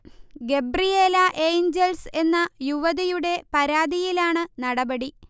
Gabriela Angels എന്ന യുവതിയുടെ പരാതിയിലാണ് നടപടി